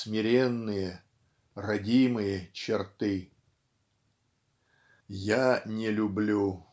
Смиренные, родимые черты!. "Я не люблю".